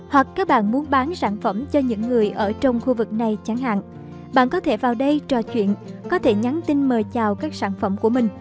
hoặc các bạn muốn bán sản phẩm cho những người ở trong khu vực này chẳng hạn bạn có thể vào đây trò chuyện có thể nhắn tin mời chào các sản phẩm của mình